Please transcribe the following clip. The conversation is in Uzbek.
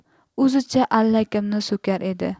o'zicha allakimni so'kar edi